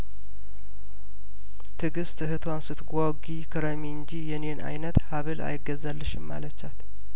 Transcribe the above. ትግስት እህቷን ስትጓጉ ክረሚ እንጂ የኔን አይነት ሀብል አይገዛልሽም አለቻት